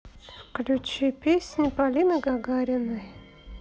включи песни полины гагариной